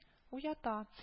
Уята